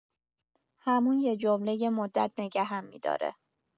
همون یه جمله، یه مدت نگه‌م می‌داره.